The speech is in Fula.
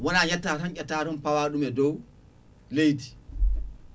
wona yetta tan ƴetta tan pawa ɗum e dow leydi